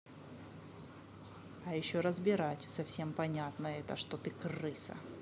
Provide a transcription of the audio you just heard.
а еще разбирать совсем понятно это что ты крыса